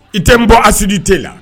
I tɛ n bɔ asidi tɛ la